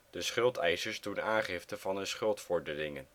De schuldeisers doen aangifte van hun schuldvorderingen